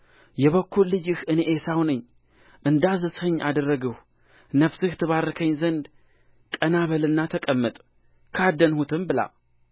የበኵር ልጅህ እኔ ዔሳው ነኝ እንዳዘዝኽኝ አደረግሁ ነፍስህ ትባርከኝ ዘንድ ቀና በልና ተቀመጥ ካደንሁትም ብላ